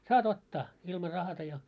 saat ottaa ilman rahatta ja